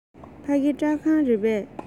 ཕ གི སྐྲ ཁང རེད པས